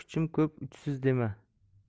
kuchim ko'p uchsiz dema